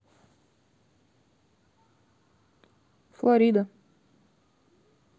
флорида